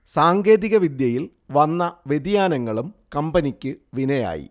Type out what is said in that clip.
സാങ്കേതിക വിദ്യയിൽ വന്ന വ്യതിയാനങ്ങളും കമ്പനിക്ക് വിനയായി